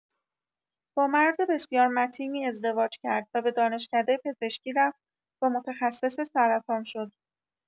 با مرد بسیار متینی ازدواج کرد و به دانشکده پزشکی رفت و متخصص سرطان شد.